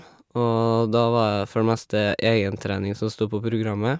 Og da var det for det meste egentrening som stod på programmet.